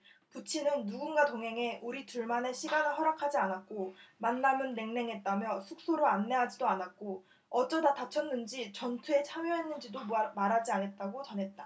부친은 누군가 동행해 우리 둘만의 시간을 허락하지 않았고 만남은 냉랭했다며 숙소로 안내하지도 않았고 어쩌다 다쳤는지 전투에 참여했는지도 말하지 않았다고 전했다